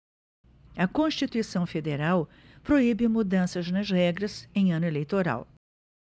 a constituição federal proíbe mudanças nas regras em ano eleitoral